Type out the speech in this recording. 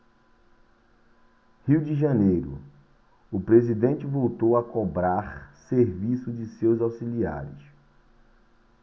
rio de janeiro o presidente voltou a cobrar serviço de seus auxiliares